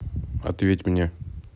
ответь мне